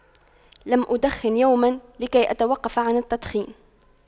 لم أدخن يوما لكي أتوقف عن التدخين